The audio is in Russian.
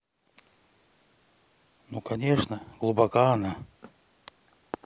ну конечно глубока она